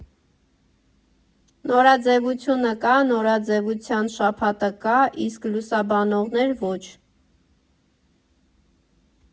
Նորաձևությունը կա, նորաձևության շաբաթը կա, իսկ լուսաբանողներ՝ ոչ…